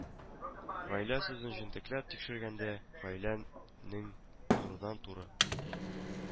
Гаилә сүзен җентекләп тикшергәндә, гаилә нең турыдан-туры